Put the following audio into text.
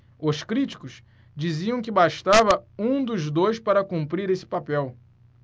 os críticos diziam que bastava um dos dois para cumprir esse papel